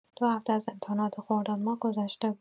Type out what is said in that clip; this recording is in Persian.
دو هفته از امتحانات خرداد ماه گذشته بود.